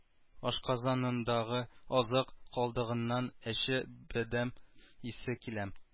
Ашказанындагы азык калдыгыннан әче бадәм исе килә